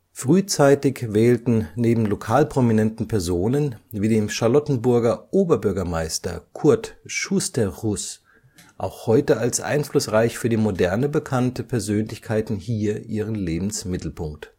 Frühzeitig wählten neben lokal prominenten Personen wie dem Charlottenburger Oberbürgermeister Kurt Schustehrus (um 1906, Augsburger 62) auch heute als einflussreich für die Moderne bekannte Persönlichkeiten hier ihren Lebensmittelpunkt